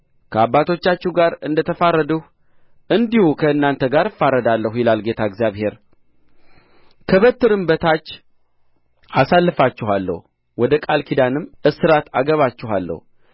ከአባቶቻችሁ ጋር እንደ ተፋረድሁ እንዲሁ ከእናንተ ጋር እፋረዳለሁ ይላል ጌታ እግዚአብሔር ከበትርም በታች አሳልፋችኋለሁ ወደ ቃል ኪዳንም እስራት አገባችኋለሁ